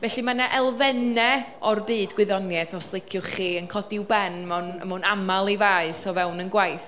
Felly ma' 'na elfennau o'r byd gwyddoniaeth, os liciwch chi, yn codi i'w ben mewn mewn aml i faes o fewn ein gwaith ni.